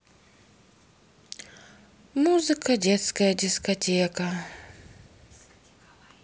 музыка детская дискотека